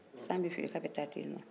ko san bɛ fin ko a bɛ taa ten nɔ